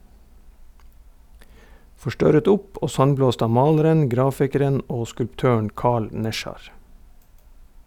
Forstørret opp og sandblåst av maleren, grafikeren og skulptøren Carl Nesjar.